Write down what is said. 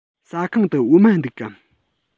ཟ ཁང དུ འོ མ འདུག གམ